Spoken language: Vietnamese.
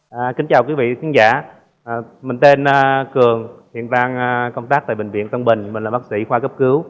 à kính chào quý vị khán giả mình tên a cường hiện đang công tác tại bệnh viện tân bình mình là bác sĩ khoa cấp cứu